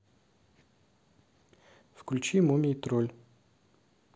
включи мумий тролль